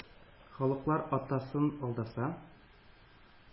“халыклар атасы”н алдаса